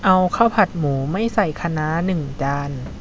เอาข้าวผัดหมูไม่ใส่คะน้าหนึ่งจาน